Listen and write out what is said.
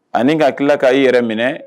Ani ka tila k' i yɛrɛ minɛ